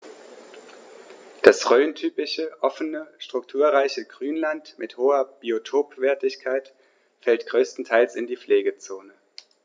Das rhöntypische offene, strukturreiche Grünland mit hoher Biotopwertigkeit fällt größtenteils in die Pflegezone.